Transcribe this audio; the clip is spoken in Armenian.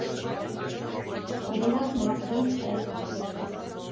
Մենակ մարդկանց տեղ։